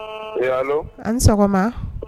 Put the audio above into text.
Oui allo a' ni sɔgɔma